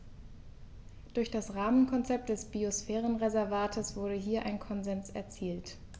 Durch das Rahmenkonzept des Biosphärenreservates wurde hier ein Konsens erzielt.